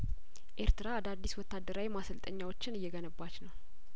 ኤርትራ አዳዲስ ወታደራዊ ማሰልጠኛዎችን እየገነባች ነው